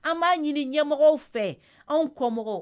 An b'a ɲini ɲɛmɔgɔ fɛ anw kɔmɔgɔw